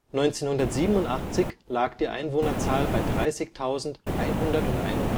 1987 lag die Einwohnerzahl bei 30.181